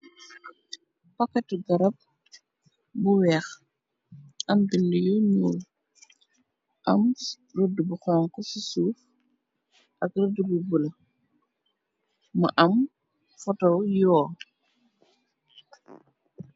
Paket tu garab bu weeh am bindi yu ñuul, am rëdd bu honku ci suuf ak rëdd bu bulo mu am foto yio.